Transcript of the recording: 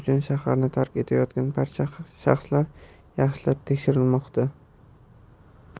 uchun shaharni tark etayotgan barcha shaxslar yaxshilab tekshirilmoqda